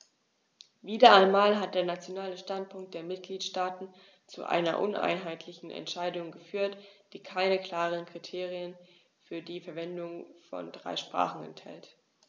Wieder einmal hat der nationale Standpunkt der Mitgliedsstaaten zu einer uneinheitlichen Entscheidung geführt, die keine klaren Kriterien für die Verwendung von drei Sprachen enthält.